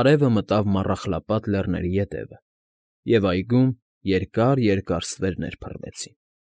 արևը մտավ Մառախլապատ Լեռների ետևը, և այգում երկա՜ր֊երկար ստվերներ փռվեցին։ ֊